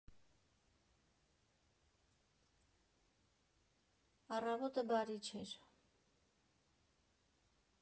֊ Առավոտը բարի չէր…